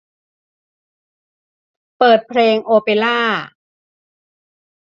เปิดเพลงโอเปร่า